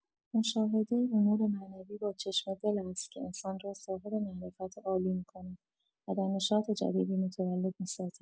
مشاهده امور معنوی با چشم دل است که انسان را صاحب معرفت عالی می‌کند و در نشاط جدیدی متولد می‌سازد.